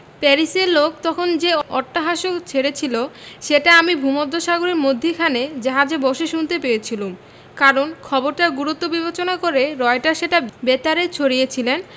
প্যারিসের লোক তখন যে অট্টহাস্য ছেড়েছিল সেটা আমি ভূমধ্যসাগরের মধ্যিখানে জাহাজে বসে শুনতে পেয়েছিলুম কারণ খবরটার গুরুত্ব বিবেচনা করে রয়টার সেটা বেতারে ছড়িয়েছিলেন